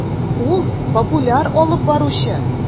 Ул - популяр алып баручы.